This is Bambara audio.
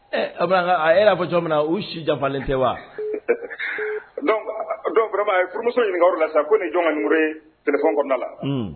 Ɛ ɔ b'a ka a ɛ y'a fɔ cogomin na u si janfalen tɛ wa donc donc vraiment a ye n furumuso ɲiniŋa o de la sisan ko nin ye jɔn ŋa numéro ye téléphone kɔɔna la uun